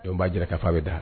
Jɔn b'a jira k ka fa bɛ da